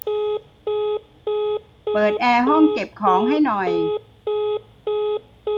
เปิดแอร์ห้องเก็บของให้หน่อย